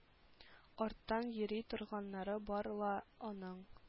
Арттан йөри торганнары бар ла аның